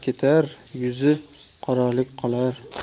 ketar yuzi qoralik qolar